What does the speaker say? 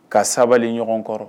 Ka sabali ɲɔgɔn kɔrɔ